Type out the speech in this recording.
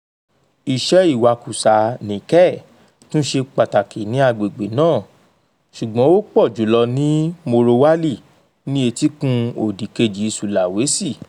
Iṣẹ́ ìwakùsà Nickel tún ṣe pàtàkì ní agbègbè náà, ṣùgbọ́n ó pọ̀ jùlọ ní Morowali, ní etíkun òdìkejì Sulawesi.